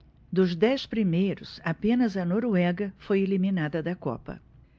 dos dez primeiros apenas a noruega foi eliminada da copa